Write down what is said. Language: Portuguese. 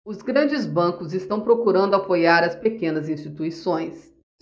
os grandes bancos estão procurando apoiar as pequenas instituições